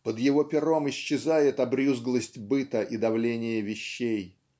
Под его пером исчезает обрюзглость быта и давление вещей.